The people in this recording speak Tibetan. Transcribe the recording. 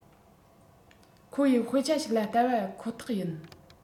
ཁོ ཡི དཔེ ཆ ཞིག ལ བལྟ བ ཁོ ཐག ཡིན